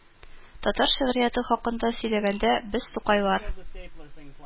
Татар шигърияте хакында сөйләгәндә, без Тукайлар